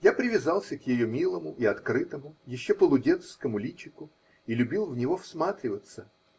Я привязался к ее милому и открытому, еще полудетскому личику и любил в него всматриваться.